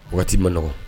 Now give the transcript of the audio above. Waati man nɔgɔ.